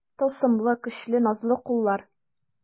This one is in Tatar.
Тылсымлы, көчле, назлы куллар.